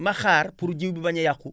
ma xaar pour jiw bi bañ a yàqu